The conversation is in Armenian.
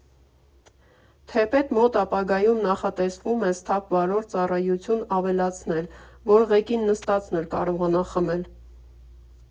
Թեպետ մոտ ապագայում նախատեսվում է «սթափ վարորդ» ծառայություն ավելացնել, որ ղեկին նստածն էլ կարողանա խմել։